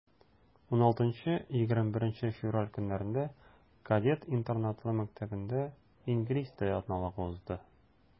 16-21 февраль көннәрендә кадет интернатлы мәктәбендә инглиз теле атналыгы узды.